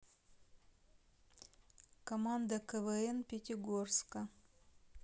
команда квн пятигорска